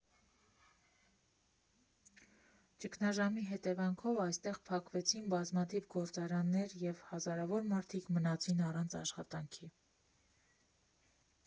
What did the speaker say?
Ճգնաժամի հետևանքով այստեղ փակվեցին բազմաթիվ գործարաններ և հազարավոր մարդիկ մնացին առանց աշխատանքի։